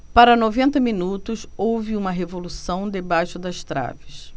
para noventa minutos houve uma revolução debaixo das traves